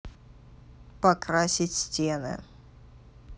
покрасить стены